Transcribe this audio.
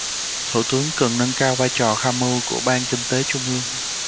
thủ tướng cần nâng cao vai trò tham mưu của ban kinh tế trung ương